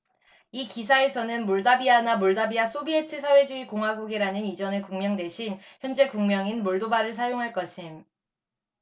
이 기사에서는 몰다비아나 몰다비아 소비에트 사회주의 공화국이라는 이전의 국명 대신 현재 국명인 몰도바를 사용할 것임